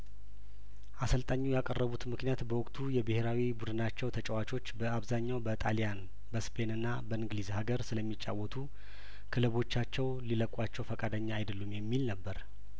አሰልጣኙ ያቀረቡት ምክንያት በወቅቱ የብሄራዊ ቡድ ናቸው ተጫዋቾች በአብዛኛው በጣልያን በስፔንና በእንግሊዝ ሀገር ስለሚ ጫወቱ ክለቦቻቸው ሊለቋቸው ፍቃደኛ አይደሉም የሚል ነበር